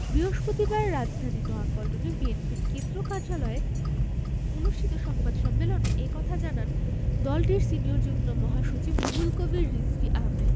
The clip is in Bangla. বৃহস্পতিবার রাজধানীর নয়াপল্টনে বিএনপির কেন্দ্রীয় কার্যালয়ে অনুষ্ঠিত সংবাদ সম্মেলন এ কথা জানান দলটির সিনিয়র যুগ্ম মহাসচিব রুহুল কবির রিজভী আহমেদ